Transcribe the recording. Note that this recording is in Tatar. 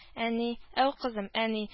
- әни! - әу, кызым? - әни